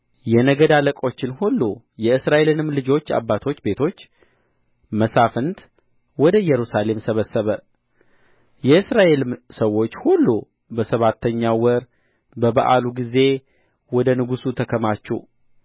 የነገድ አለቆች ሁሉ የእስራኤልንም ልጆች አባቶች ቤቶች መሳፍንት ወደ ኢየሩሳሌም ሰበሰበ የእስራኤልም ሰዎች ሁሉ በሰባተኛው ወር በበዓሉ ጊዜ ጊዜ ወደ ንጉሡ ተከማቹ